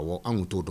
Anw t'o dɔn